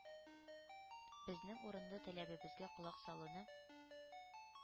Безнең урынлы таләбебезгә колак салуны